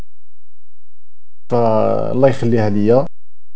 الله يخليها لي